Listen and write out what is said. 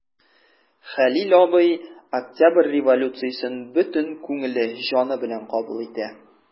Хәлил абый Октябрь революциясен бөтен күңеле, җаны белән кабул итә.